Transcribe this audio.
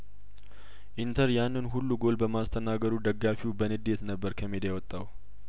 ኢንተርያንን ሁሉ ጐል በማስተናገዱ ደጋፊው በንዴት ነበር ከሜዳ የወጣው